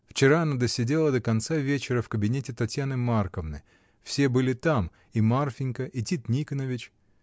Вчера она досидела до конца вечера в кабинете Татьяны Марковны: все были там, и Марфинька, и Тит Никонович.